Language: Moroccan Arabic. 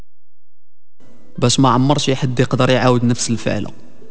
بس ما عمر شيء حد يقدر يعود نفس الفعل